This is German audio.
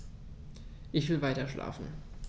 Ich will weiterschlafen.